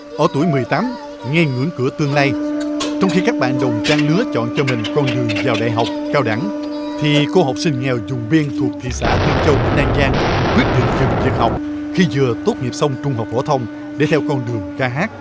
ở tuổi mười tám ngay ngưỡng cửa tương lai trong khi các bạn đồng trang lứa chọn cho mình con đường vào đại học cao đẳng thì cô học sinh nghèo vùng biên thuộc thị xã tân châu tỉnh an giang quyết định dừng việc học khi vừa tốt nghiệp xong trung học phổ thông để theo con đường ca hát